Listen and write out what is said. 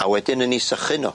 A wedyn yn 'u sychu nw.